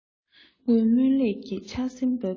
སྔོན སྨོན ལས ཀྱི ཆར ཟིམ བབས ཚེ